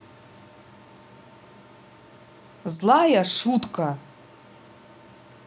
злая шутка